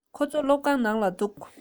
ཁོ ཚོ སློབ ཁང ནང ལ འདུག